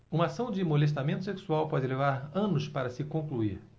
uma ação de molestamento sexual pode levar anos para se concluir